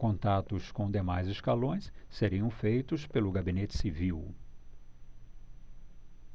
contatos com demais escalões seriam feitos pelo gabinete civil